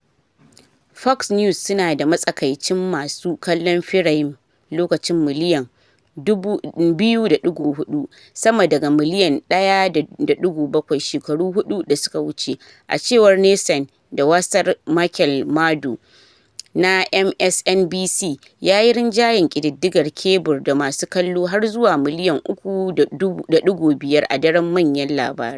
Fox News su na da matsakaicin masu kallon firayim lokaci miliyan 2.4, sama daga miliyan 1.7 shekaru huɗu da suka wuce, a cewar Nielsen, da “Wasar Rachel Maddow” na MSNBC ya yi rinjayen kididdigar kebur da masu kallo har zuwa miliyan 3.5 a daren manyan labarai.